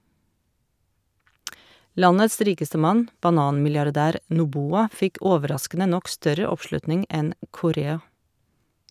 Landets rikeste mann, bananmilliardær Noboa, fikk overraskende nok større oppslutning enn Correa.